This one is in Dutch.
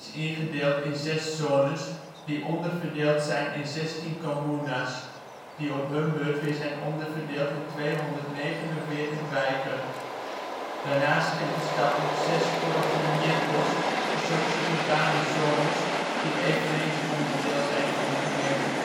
ingedeeld in zes zones, die onderverdeeld zijn in 16 comunas, die op hun beurt weer zijn onderverdeeld in 249 wijken. Daarnaast kent de stad nog zes corregimientos, een soort suburbane zones, die eveneens onderdeel zijn van de gemeente